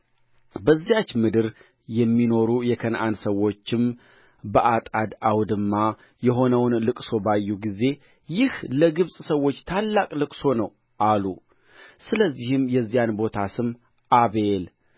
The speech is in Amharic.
በዚያች ምድር የሚኖሩ የከነዓን ሰዎችም በአጣድ አውድማ የሆነውን ልቅሶ ባዩ ጊዜ ይህ ለግብፅ ሰዎች ታላቅ ልቅሶ ነው አሉ ስለዚህም የዚያን ቦታ ስም አቤል